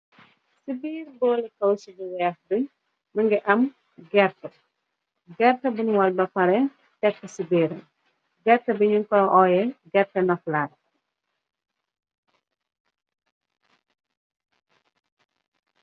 Ci biir boole kawsu bu daw bi më ngi am gerteh. Gerteh buñ wàl ba pareh tekk ko ci biiram . Gerteh bi ñung koy ooye gerteh noflaay.